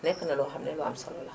nekk na loo xam ne lu am solo la